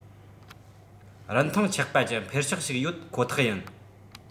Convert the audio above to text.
རིན ཐང ཆག པ ཀྱི འཕེལ ཕྱོགས ཤིག ཡོད ཁོ ཐག ཡིན